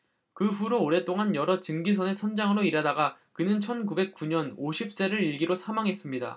그 후로 오랫동안 여러 증기선의 선장으로 일하다가 그는 천 구백 구 년에 오십 세를 일기로 사망했습니다